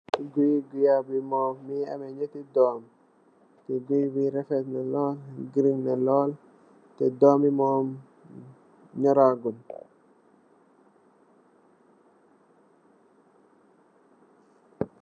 Guyi guyaab bi moom, mungi ame nyati doom, te guy bi rafet na lool, green na lool, te doomi moom nyoraagut.